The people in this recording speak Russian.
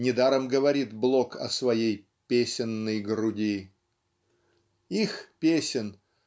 Недаром говорит Блок о своей "песенной груди". Их песен